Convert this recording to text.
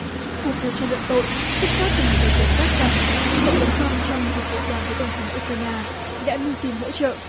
cuộc điều tra luận tội xuất phát từ một lời tố giác rằng tổng thống trăm trong cuộc điện đàm với tổng thống u rai na đã mưu tìm hỗ trợ